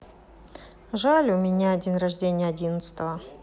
жаль а у меня день рождения одиннадцатого